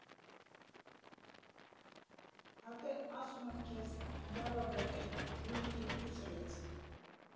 Հատե ասումըմ քեզ, լյավա վեր էտ ժուլիկին տյուս ըրեցեն։